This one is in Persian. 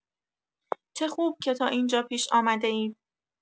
چه خوب که تا اینجا پیش آمده‌اید!